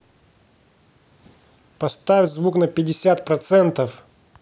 поставь звук на пятьдесят процентов